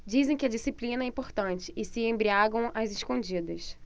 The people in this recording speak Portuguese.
dizem que a disciplina é importante e se embriagam às escondidas